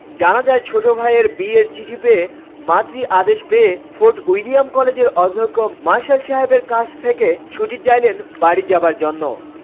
জানা যায় ছোট ভাইয়ের বিয়ের চিঠি পেয়ে মাতৃ আদেশ পেয়ে ফোর্ট উইলিয়াম কলেজের অধ্যক্ষ মার্শাল সাহেবের কাছ থেকে ছুটি চাইলেন বাড়ি যাবার জন্য